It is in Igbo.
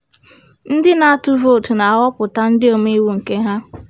Ndị na-atụ votu na-aghọpụta ndị omeiwu nke ha.